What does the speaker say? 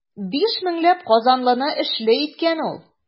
Биш меңләп казанлыны эшле иткән ул.